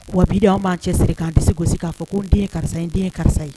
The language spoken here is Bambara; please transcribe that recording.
Wa bi di anw'an cɛ siri k'an tɛ se gosi k'a fɔ ko n den ye karisa ye n den ye karisa ye